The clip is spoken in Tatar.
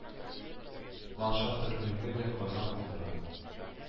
Ландшафт төрлелеге дә хәйран калдыра